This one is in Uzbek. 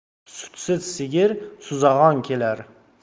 sutsiz sigir suzag'on kelar